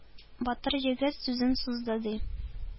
Батыр егет сүзен сузды, ди: